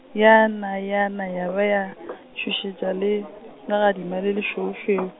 yana yana ya ba ya, tšhošetša le, legadima le lešweušweu.